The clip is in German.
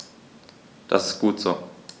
Das ist gut so.